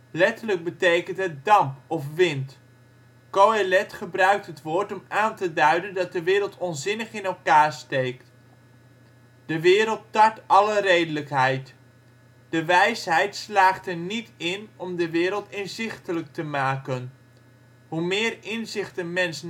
Letterlijk betekent het ' damp ' of ' wind ' (cf. Js 57,13). Qohelet gebruikt het woord om aan te duiden dat de wereld onzinnig in elkaar steekt: de wereld tart alle redelijkheid. De wijsheid slaagt er niet in om de wereld inzichtelijk te maken: hoe meer inzicht een mens nastreeft